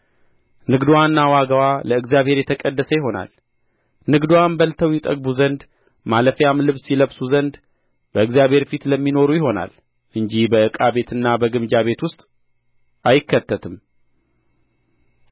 ንግድዋና ዋጋዋ ለእግዚአብሔር የተቀደሰ ይሆናል ንግድዋም በልተው ይጠግቡ ዘንድ ማለፊያም ልብስ ይለብሱ ዘንድ በእግዚአብሔር ፊት ለሚኖሩ ይሆናል እንጂ በዕቃ ቤትና በግምጃ ቤት ውስጥ አይከተትም